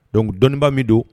Donc dɔnniba min don